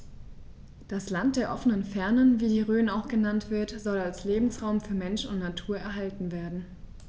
Das „Land der offenen Fernen“, wie die Rhön auch genannt wird, soll als Lebensraum für Mensch und Natur erhalten werden.